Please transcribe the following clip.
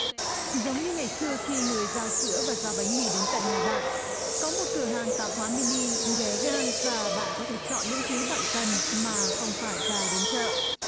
giống như ngày xưa khi người giao sữa và giao bánh mì đến tận nhà bạn có một cửa hàng tạp hóa mi ni ghé ngang và bạn có thể chọn những thứ bạn cần mà không phải ra đến chợ